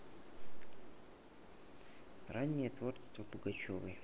раннее творчество пугачевой